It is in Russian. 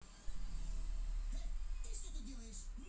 сегодня сказала хуйня